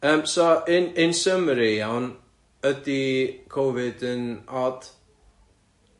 Yym so in in summary iawn ydi Covid yn od?